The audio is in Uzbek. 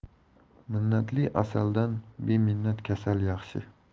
minnatli asaldan beminnat kasal yaxshi